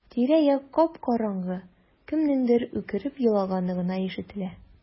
Тирә-як кап-караңгы, кемнеңдер үкереп елаганы гына ишетелә.